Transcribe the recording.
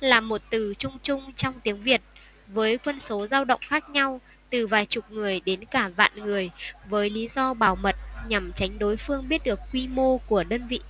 là một từ chung chung trong tiếng việt với quân số dao động khác nhau từ vài chục người đến cả vạn người với lý do bảo mật nhằm tránh đối phương biết được quy mô của đơn vị